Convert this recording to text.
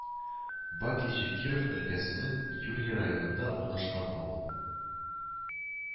Бакичи Киров өлкәсенең Юрья районында урнашкан авыл